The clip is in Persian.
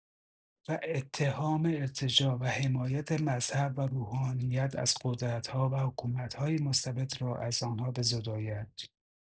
و اتهام ارتجاع و حمایت مذهب و روحانیت از قدرت‌ها و حکومت‌های مستبد را از آنها بزداید.